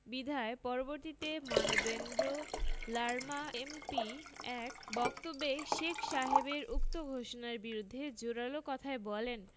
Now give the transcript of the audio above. বিধায় পরবর্তীতে মানবেন্দ্র লারমা এম.পি. এক বক্তব্যে শেখ সাহেবের উক্ত ঘোষণার বিরুদ্ধে জোরালো কথায় বলেন